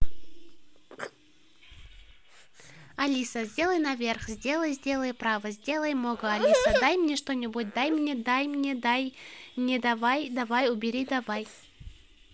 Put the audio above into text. алиса сделай наверх сделай сделай право сделай мого алиса дай мне что нибудь дай мне дай мне дай не давай давай убери давай